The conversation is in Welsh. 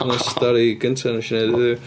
Yn y stori gynta wnes i ddeud heddiw.